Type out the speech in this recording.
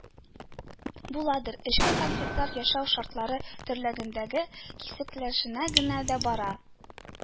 Буладыр, эчке конфликтлар яшәү шартлары төрлелегендә кискенләшә генә дә бара